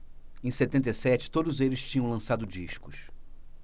em setenta e sete todos eles tinham lançado discos